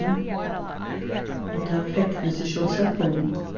og tað fegnist eg sjálvsagt um